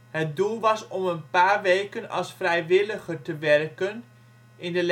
Het doel was om een paar weken als vrijwilliger te werken in de